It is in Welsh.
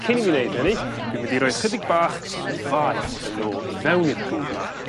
cyn i mi neud hynny dwi'n mynd i roid chydig bach o faeth yn ôl i fewn i'r pridd 'ma